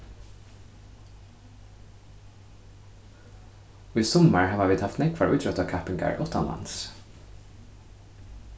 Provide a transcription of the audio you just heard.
í summar hava vit havt nógvar ítróttarkappingar uttanlands